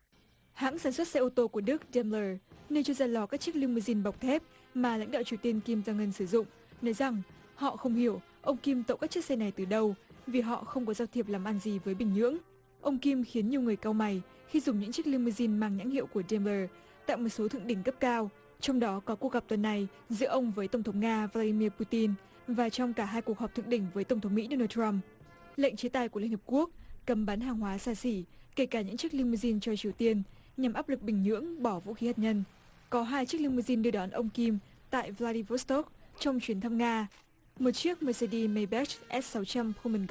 hãng sản xuất xe ô tô của đức dêm mờ nơi cho ra lò các chiếc li mâu din bọc thép mà lãnh đạo triều tiên kim dong ưn sử dụng nói rằng họ không hiểu ông kim tậu các chiếc xe này từ đâu vì họ không có giao thiệp làm ăn gì với bình nhưỡng ông kim khiến nhiều người cau mày khi dùng những chiếc li mâu din mang nhãn hiệu của dêm mờ tại một số thượng đỉnh cấp cao trong đó có cuộc gặp tuần này giữa ông với tổng thống nga va đi mi pu tin và trong cả hai cuộc họp thượng đỉnh với tổng thống mỹ đô nan troăm lệnh chế tài của liên hiệp quốc cấm bán hàng hóa xa xỉ kể cả những chiếc li mâu din cho triều tiên nhằm áp lực bình nhưỡng bỏ vũ khí hạt nhân có hai chiếc li mâu din đưa đón ông kim tại va li buýt sơ tốp trong chuyến thăm nga một chiếc mây sơ đi mây bớt ét sáu trăm khu mừn